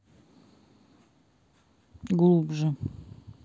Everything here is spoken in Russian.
глубже